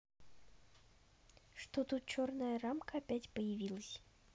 что тут черная рамка опять появилась